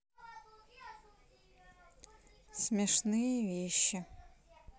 смешные вещи